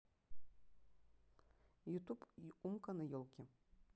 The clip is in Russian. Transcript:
ютуб умка на елке